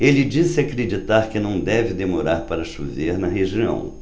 ele disse acreditar que não deve demorar para chover na região